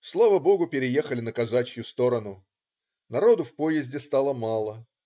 Слава Богу, переехали на казачью сторону. Народу в поезде стало мало.